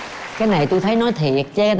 cái này tôi thấy nói thiệt chứ